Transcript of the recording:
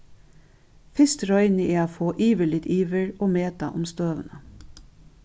fyrst royni eg at fáa yvirlit yvir og meta um støðuna